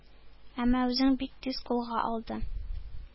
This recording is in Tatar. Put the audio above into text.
Әмма үзен бик тиз кулга алды.